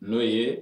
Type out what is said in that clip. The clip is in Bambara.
N'o ye